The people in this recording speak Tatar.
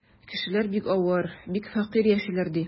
Кешеләр бик авыр, бик фәкыйрь яшиләр, ди.